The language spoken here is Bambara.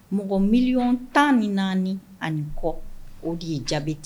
Mɔgɔ miliy tan ni naani ani kɔ o de ye jaabi tɛ